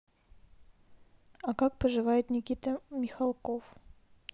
а как поживает никита михалков